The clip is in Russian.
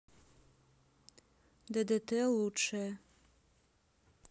ддт лучшее